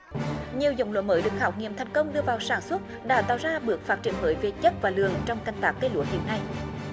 nhiều giống lúa mới được khảo nghiệm thành công đưa vào sản xuất đã tạo ra bước phát triển mới về chất và lượng trong canh tác cây lúa hiện nay